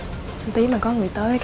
tý mà có người tới